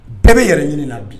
Bɛɛ bɛ yɛlɛ ɲini bi